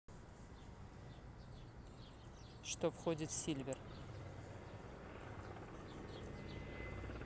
что входит в silver